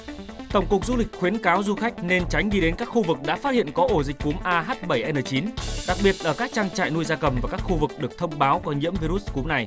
tổng cục du lịch khuyến cáo du khách nên tránh đi đến các khu vực đã phát hiện có ổ dịch cúm a hát bảy e nờ chín đặc biệt ở các trang trại nuôi gia cầm và các khu vực được thông báo của nhiễm vi rút cúm này